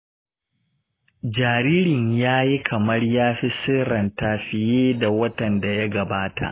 jaririn ya yi kamar ya fi siranta fiye da watan da ya gabata.